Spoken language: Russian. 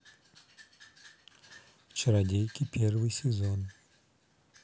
чародейки первый сезон